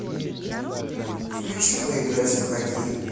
включи поиграть в хоккей